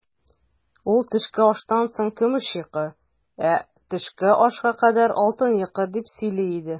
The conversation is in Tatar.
Ул, төшке аштан соң көмеш йокы, ә төшке ашка кадәр алтын йокы, дип сөйли иде.